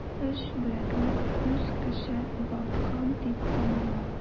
3 бүлекне үз көчен югалткан дип танырга.